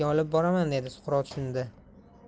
yerga olib boraman dedi suqrot shunda